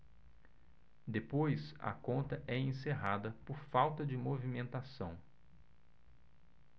depois a conta é encerrada por falta de movimentação